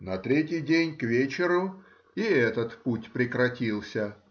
На третий день к вечеру и этот путь прекратился